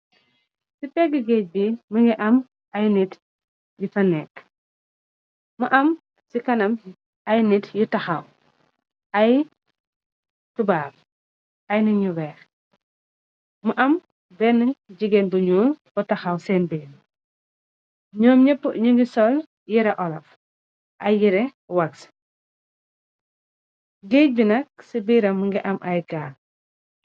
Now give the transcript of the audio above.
Ci pegg géej bii mënga am ay nit yi fa nekk mu am ci kanam ay nit yu taxaw ay tubaab ay nañu beex mu am benn jigén duñu utaxaw seen biil ñoom epp ñu ngi sol yëre olaf ay yere waxs géej bi nakk ci biiram mu nga am ay gaal.